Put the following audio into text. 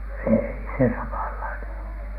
ei se samanlainen ollut